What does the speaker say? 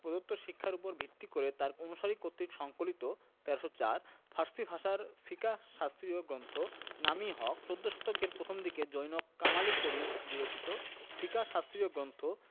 প্রদত্ত শিক্ষার ওপর ভিত্তি করে তাঁর কোনো অনুসারী কর্তৃক সংকলিত ১৩০৪ ফার্সি ভাষার ফিকাহ শাস্ত্রীয় গ্রন্থ নাম ই হক চৌদ্দ শতকের প্রথমদিকে জনৈক কামাল ই করিম বিরচিত ফিকাহ শাস্ত্রীয় গ্রন্থ